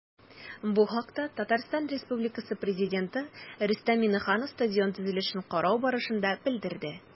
Бу хакта ТР Пррезиденты Рөстәм Миңнеханов стадион төзелешен карау барышында белдерде.